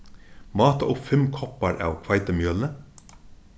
máta upp fimm koppar av hveitimjøli